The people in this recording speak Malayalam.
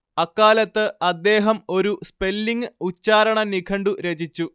അക്കാലത്ത് അദ്ദേഹം ഒരു സ്പെല്ലിങ്ങ് ഉച്ചാരണ നിഘണ്ടു രചിച്ചു